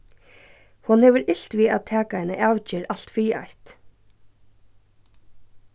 hon hevur ilt við at taka eina avgerð alt fyri eitt